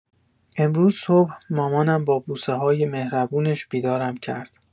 امروز صبح مامانم با بوسه‌های مهربونش بیدارم کرد.